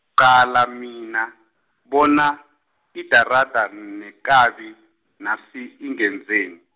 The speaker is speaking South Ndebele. qala mina, bona, idarada nekabi, nasi ingenzeni.